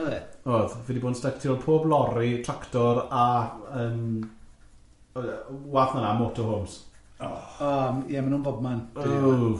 Odd, fi di bod yn styc, ti'n gweld pob lori, tractor, a, yym, w- w- w- wath na na motorhomes. Oh, ie, ma nhw'n bobman.